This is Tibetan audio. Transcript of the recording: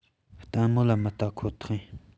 ལྟན མོ ལ མི ལྟ ཁོ ཐག ཡིན